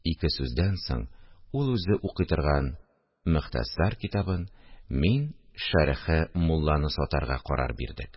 Ике сүздән соң ул үзе укый торган «Мохтәсар» китабын, мин «Шәрехе мулла»ны сатарга карар бирдек